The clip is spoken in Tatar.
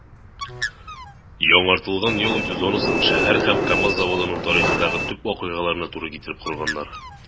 Яңартылган ял итү зонасын шәһәр һәм КАМАЗ заводының тарихындагы төп вакыйгаларына туры китереп корганнар.